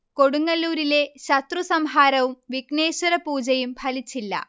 കൊടുങ്ങല്ലൂരിലെ ശത്രു സംഹാരവും വിഘ്നേശ്വര പൂജയും ഫലിച്ചില്ല